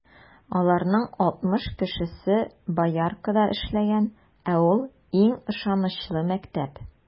Аларның алтмыш кешесе Бояркада эшләгән, ә ул - иң ышанычлы мәктәп.